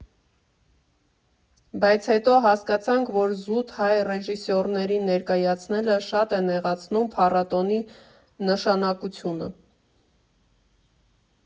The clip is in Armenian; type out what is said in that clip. Բայց հետո հասկացանք, որ զուտ հայ ռեժիսորներին ներկայացնելը շատ է նեղացնում փառատոնի նշանակությունը։